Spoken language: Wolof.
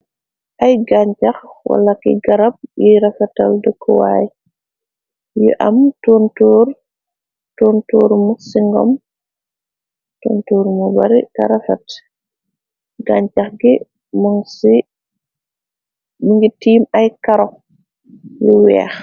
Ay gaanchax wala ki garab yuy rafetal dëkkuwaay, yu am toontor mu singom toontor mu bari, ta rafet. Gaancax gi mi ngi tiim ay karo lu weex.